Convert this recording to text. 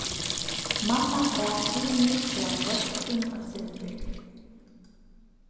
mamman bað súnhild geva beiggja sínum eitt sindur